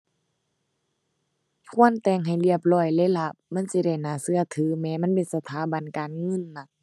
ควรแต่งให้เรียบร้อยเลยล่ะ มันสิได้น่าเชื่อถือแหม มันเป็นสถาบันการเงินน่ะ